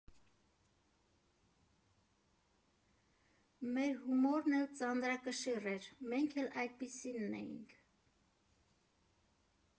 Մեր հումորն էլ ծանրակշիռ էր, մենք էլ այդպիսինն էինք։